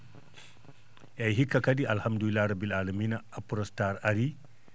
eeyi hikka kadi Alhamdulilalahi rabbil ala mina prono (apronstar ) arii